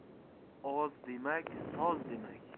oz demak soz demak